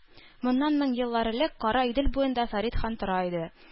Моннан мең еллар элек Кара Идел буенда Фәрит хан тора иде.